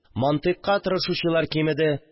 Мантыйкка тырышучылар кимеде